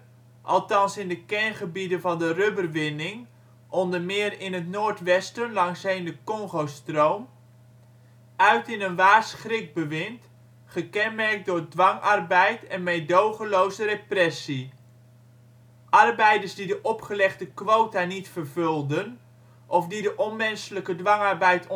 althans in de kerngebieden van de rubber-winning (onder meer in het noord-westen langsheen de Congo-stroom), uit in een waar schrikbewind, gekenmerkt door dwangarbeid en meedogenloze repressie. Arbeiders die de opgelegde quota niet vervulden of die de onmenselijke dwangarbeid